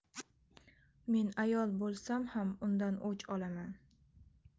men ayol bo'lsam ham undan o'ch olaman